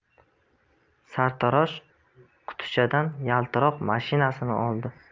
sartarosh qutichadan yaltiroq mashinasini oldi